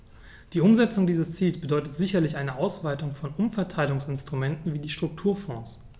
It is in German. Die Umsetzung dieses Ziels bedeutet sicherlich eine Ausweitung von Umverteilungsinstrumenten wie die Strukturfonds.